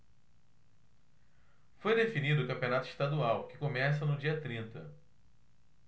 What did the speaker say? foi definido o campeonato estadual que começa no dia trinta